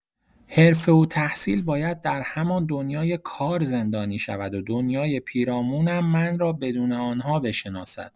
حرفه و تحصیل باید در همان دنیای کار زندانی شود و دنیای پیرامونم من را بدون آن‌ها بشناسند.